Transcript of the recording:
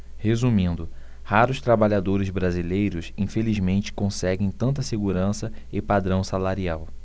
resumindo raros trabalhadores brasileiros infelizmente conseguem tanta segurança e padrão salarial